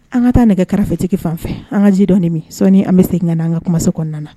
An ka taa nɛgɛ karafetigi fan fɛ an ka ji dɔni min sɔ an bɛ segin ka an ka kumauso kɔnɔna